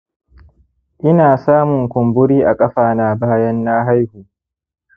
ina samun kumburi a kafa na bayan na haihu